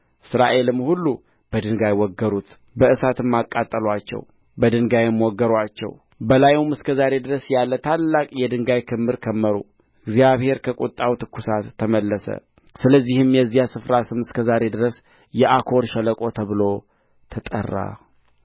እስራኤልም ሁሉ በድንጋይ ወገሩት በእሳትም አቃጠሉአቸው በድንጋይም ወገሩአቸው በላዩም እስከ ዛሬ ድረስ ያለ ታላቅ የድንጋይ ክምር ከመሩ እግዚአብሔርም ከቍጣው ትኵሳት ተመለሰ ስለዚህም የዚያ ስፍራ ስም እስከ ዛሬ ድረስ የአኮር ሸለቆ ተብሎ ተጠራ